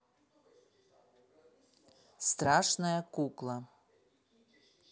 страшная кукла